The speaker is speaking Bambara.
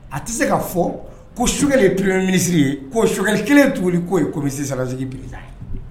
A tɛ se ka fɔ ko sokɛ tun ye minisiriri ye ko sokɛli kelen tun' ye ko misi saraz bi